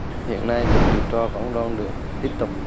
hiện nay việc điều tra vẫn đang được tiếp tục